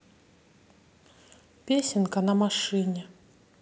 песенка на машине